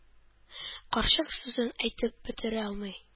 Карчык сүзен әйтеп бетерә алмый.